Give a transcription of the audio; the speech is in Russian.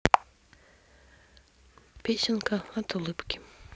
песенка от улыбки